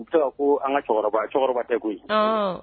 U bɛ an ka cɛkɔrɔba cɛkɔrɔba tɛ koyi